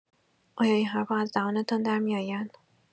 آیا این حرف‌ها از دهانتان درمی‌آید؟